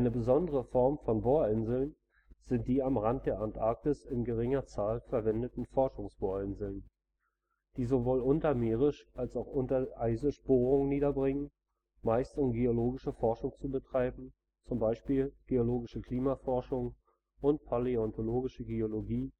besondere Form von Bohrinseln sind die am Rand der Antarktis in geringer Zahl verwendeten Forschungs-Bohrinseln, die sowohl untermeerisch als auch „ untereisisch “Bohrungen niederbringen, meistens um geologische Forschung zu betreiben, zum Beispiel geologische Klimaforschung und paläontologische Geologie